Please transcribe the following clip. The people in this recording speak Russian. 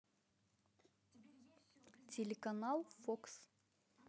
телеканал фокс